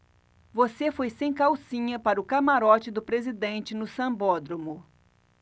você foi sem calcinha para o camarote do presidente no sambódromo